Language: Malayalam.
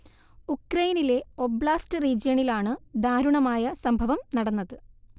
ഉക്രെയിനിലെ ഓബ്ലാസ്റ്റ് റീജിയണിലാണ് ദാരുണമായ സംഭവം നടന്നത്